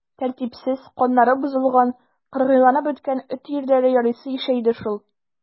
Тәртипсез, каннары бозылган, кыргыйланып беткән эт өерләре ярыйсы ишәйде шул.